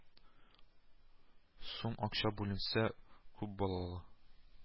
Сум акча бүленсә, күпбалалы